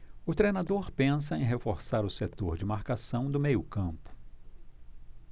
o treinador pensa em reforçar o setor de marcação do meio campo